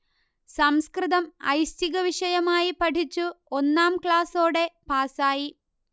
സംസ്കൃതം ഐച്ഛികവിഷയമായി പഠിച്ചു ഒന്നാം ക്ലാസ്സോടെ പാസ്സായി